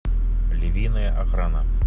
львиная охрана